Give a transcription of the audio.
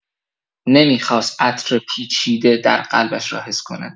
نمی‌خواست عطر پیچیده در قلبش را حس کند.